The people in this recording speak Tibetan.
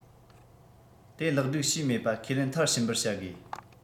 དེ ལེགས སྒྲིག བྱས མེད པ ཁས ལེན མཐར ཕྱིན པར བྱ དགོས